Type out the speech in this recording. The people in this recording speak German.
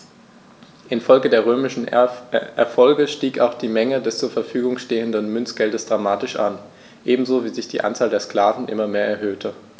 Infolge der römischen Erfolge stieg auch die Menge des zur Verfügung stehenden Münzgeldes dramatisch an, ebenso wie sich die Anzahl der Sklaven immer mehr erhöhte.